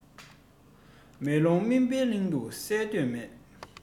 མེ ལོང མུན པའི གླིང དུ གསལ མདོག མེད